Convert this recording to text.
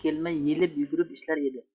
kelmay yelib yugurib ishlar edi